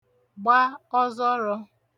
gba ọzọrọ̄